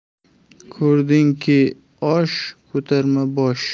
ko'rdingki osh ko'tarma bosh